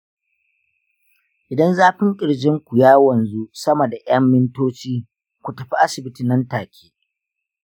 idan zafin ƙirjinku ya wanzu sama da ƴan mintoci, ku tafi asibiti nan-take